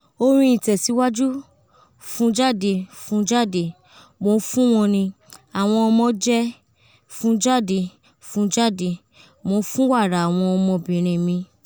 Orin tẹsiwaju: "Fun jade, fun jade, Mo n fun wọn ni awọn ọmọ jẹ, fun jade, fun jade, Mo n fun wara awọn ọmọbinrin mi."